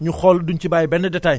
ñu xool du ñu ci bàyyi benn détail